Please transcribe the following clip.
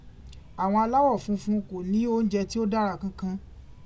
Àwọn aláwọ̀ funfun kò ní oúnjẹ tí ó dára kankan.